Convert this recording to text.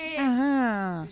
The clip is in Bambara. Ee